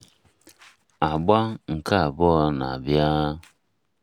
Agba nke abụọ na-abịa.